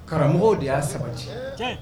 Karamɔgɔw de y'a sabati heee cen